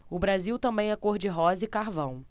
o brasil também é cor de rosa e carvão